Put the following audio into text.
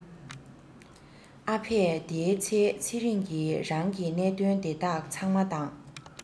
ཨ ཕས དེའི ཚེ ཚེ རིང གི རང གི གནད དོན དེ དག ཚང མ དང